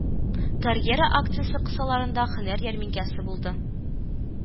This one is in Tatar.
Карьера акциясе кысаларында һөнәр ярминкәсе булды